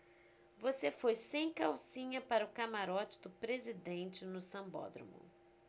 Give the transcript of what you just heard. você foi sem calcinha para o camarote do presidente no sambódromo